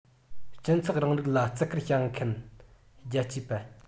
སྤྱི ཚོགས རིང ལུགས ལ བརྩི བཀུར ཞུ མཁན རྒྱལ གཅེས པ